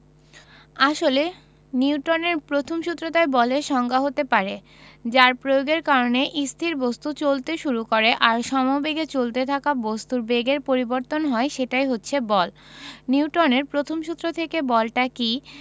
আসলে নিউটনের প্রথম সূত্রটাই বলের সংজ্ঞা হতে পারে যার প্রয়োগের কারণে স্থির বস্তু চলতে শুরু করে আর সমবেগে চলতে থাকা বস্তুর বেগের পরিবর্তন হয় সেটাই হচ্ছে বল নিউটনের প্রথম সূত্র থেকে বলটা কী